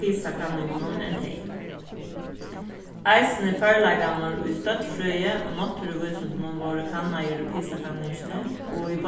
pisa-kanningunum enn tey eisini førleikarnir í støddfrøði og náttúruvísindunum vórðu kannaðir í pisa-kanningini og í